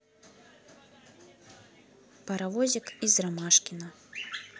паровозик из ромашкино